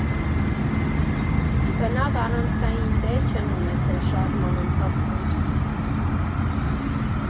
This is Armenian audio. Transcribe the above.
Բնավ առանցքային դեր չեմ ունեցել շարժման ընթացքում։